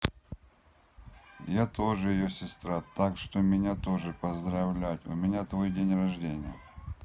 я тоже ее сестра так что меня тоже поздравляет у меня твой день рождения